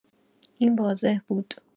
این واضح بود.